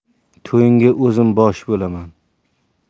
to'yingga o'zim bosh bo'laman